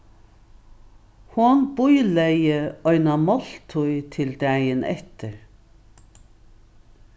hon bílegði eina máltíð til dagin eftir